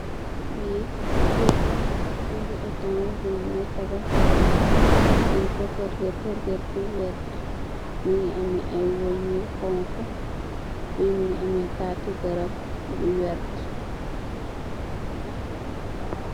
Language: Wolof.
Fi keur la keuri estas bun tabax bere wa gut nyun ko korget korget bu weex mogi ameh wung gu xonxu fi mogi ameh tati garab u wertah.